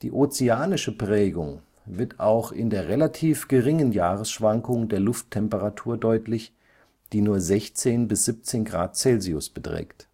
ozeanische Prägung wird auch in der relativ geringen Jahresschwankung der Lufttemperatur deutlich, die nur 16 – 17 °C beträgt